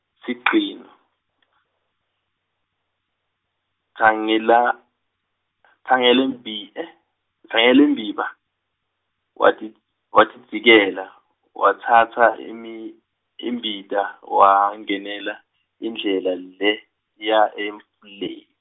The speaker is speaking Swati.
sigcino , Tsangela- Tsangelimbi- , Tsangalembiba, watid- watidzikela watsatsa imi- imbita wangenela indlela leya emfule-.